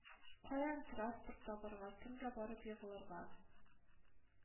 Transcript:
Каян транспорт табарга? Кемгә барып егылырга?